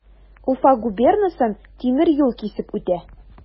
Уфа губернасын тимер юл кисеп үтә.